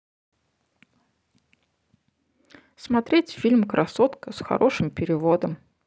смотреть фильм красотка с хорошим переводом